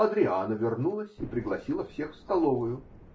Адриана вернулась и пригласила всех в столовую.